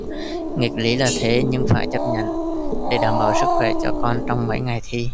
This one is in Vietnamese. nghịch lý là thế nhưng phải chấp nhận để đảm bảo sức khỏe cho con trong mấy ngày thi